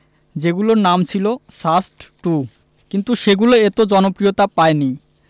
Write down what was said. যেগুলোর নাম ছিল সাস্ট টু কিন্তু সেগুলো এত জনপ্রিয়তা পায়নি